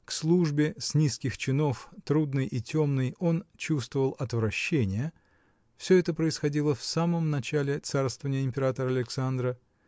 к службе с низких чинов, трудной и темной, он чувствовал отвращение (все это происходило в самом начале царствования императора Александра)